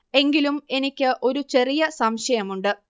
എങ്കിലും എനിക്ക് ഒരു ചെറിയ സംശയമുണ്ട്